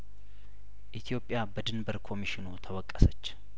ኢትዮጵያ በድንበር ኮሚሽኑ ተወቀሰች